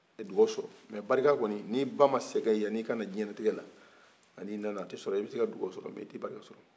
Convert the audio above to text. i be dugaw sɔrɔ nka barika kɔni n'i ba ma sɛgɛ yan'i ka na diŋɛnatikɛla nka n'i nana a te sɔrɔ i bese ka dugawu sɔrɔ nka i te barika sɔrɔ